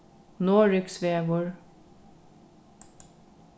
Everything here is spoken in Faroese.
noregsvegur